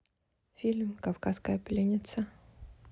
фильм кавказская пленница